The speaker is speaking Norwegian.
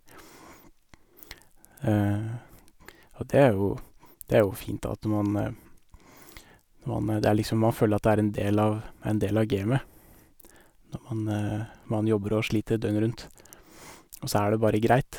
Og det er jo det er jo fint, da, at når man når man det er liksom, man føler at det er en del av en del av gamet når man man jobber og sliter døgnet rundt, og så er det bare greit.